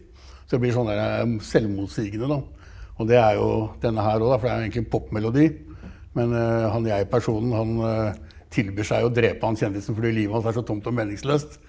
så det blir sånn derre selvmotsigende da, og det er jo denne her òg da for det er jo egentlig en popmelodi, men han jeg-personen han tilbyr seg å drepe han kjendisen fordi livet hans er så tomt og meningsløst.